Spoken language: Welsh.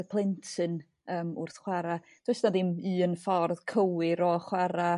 y plentyn yrm wrth chwara', does 'na ddim un ffordd cywir o chwara'